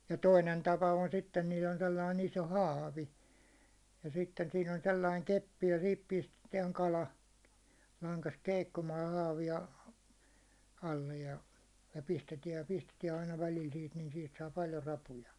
ja toinen tapa on sitten niillä on sellainen iso haavi ja sitten siinä on sellainen keppi ja siihen pistetään kala langasta keikkumaan ja haavia alle ja ja pistetään ja pistetään aina välillä siitä niin siitä saa paljon rapuja